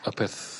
a peth